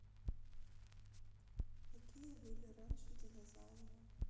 какие были раньше динозавры